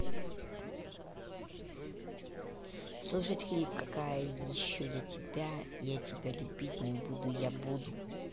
слушать клип какая еще я тебя я тебя любить не буду я буду